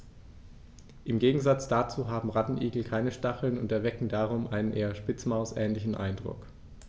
Im Gegensatz dazu haben Rattenigel keine Stacheln und erwecken darum einen eher Spitzmaus-ähnlichen Eindruck.